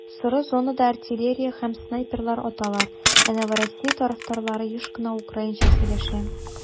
Соры зонада артиллерия һәм снайперлар аталар, ә Новороссия тарафтарлары еш кына украинча сөйләшә.